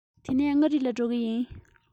དེ ནས མངའ རིས ལ འགྲོ གི ཡིན